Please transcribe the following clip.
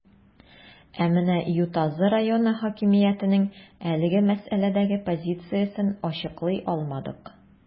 Ә менә Ютазы районы хакимиятенең әлеге мәсьәләдәге позициясен ачыклый алмадык.